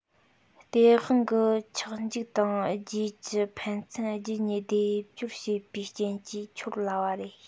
སྟེས དབང གི ཆག འཇིག དང རྗེས ཀྱི ཕན ཚུན རྒྱུད གཉིས སྡེབ སྦྱོར བྱས པའི རྐྱེན གྱིས འཆོར སླ བ རེད